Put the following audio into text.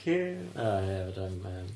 ti... O ia, fedrai'm yym